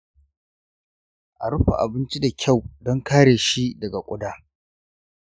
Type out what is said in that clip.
a rufe abinci da kyau don kare shi daga ƙuda.